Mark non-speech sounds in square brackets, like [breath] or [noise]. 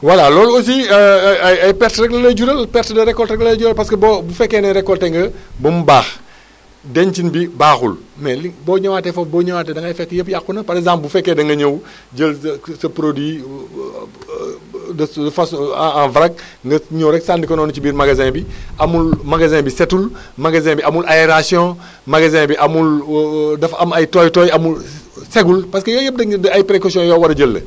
voilà loolu aussi [hesitation] ay perte rek la lay jural perte des récoltes rek la lay jural parce que boo bu fekkee ne récolté nga ba mu baax [breath] dencin bi baaxul mais li boo énëwaatee foofu boo ñëwaatee da ngay fekk yëpp yàqu na par exemple bu fekkee da nga ñëw [breath] jël sa produit [hesitation] de façon à en vrac nga ñëw rek sànni ko noonu ci biir magasin bi [breath] amul magasin bi stul magasin bi amul aération [breath] magasin bi amul [hesitation] dafa am ay tooy-tooy amul [hesitation] sec parce que yooyu yëpp dañuy ay précaution yoo war a jël la